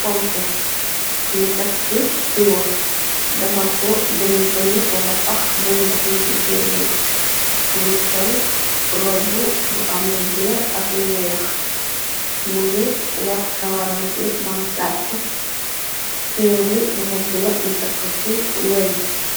pompe, nyu teg si siwo, defar ko banebane wala pax buy ndox mi di gene, mingi sol robbu bu am lu bula ak lu weex, mingi waat kawar gi bam gaatt, siwo bi dafa bula, nyu teg ko si weenj.